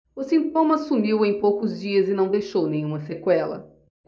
o sintoma sumiu em poucos dias e não deixou nenhuma sequela